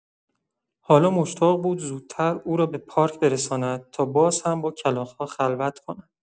حالا مشتاق بود زودتر او را به پارک برساند تا باز هم با کلاغ‌ها خلوت کند.